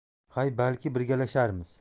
hay balki birgalasharmiz